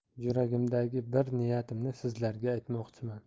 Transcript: yuragimdagi bir niyatimni sizlarga aytmoqchiman